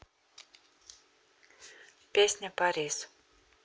песня paris